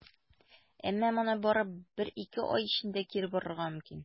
Әмма моны бары бер-ике ай эчендә кире борырга мөмкин.